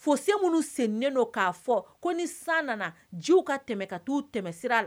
Fo se minnu sennen don k'a fɔ ko ni san nana jiw ka tɛmɛ ka taa u tɛmɛ sira la